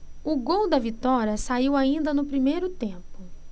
o gol da vitória saiu ainda no primeiro tempo